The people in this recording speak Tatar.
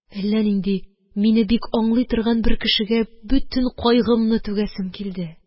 Әллә нинди мине бик аңлый торган бер кешегә бөтен кайгымны түгәсем килде